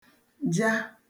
ja